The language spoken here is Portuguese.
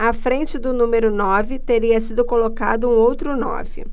à frente do número nove teria sido colocado um outro nove